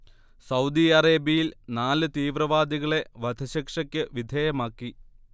Saudi അറേബ്യയിൽ നാല് തീവ്രവാദികളെ വധശിക്ഷയ്ക്ക് വിധേയമാക്കി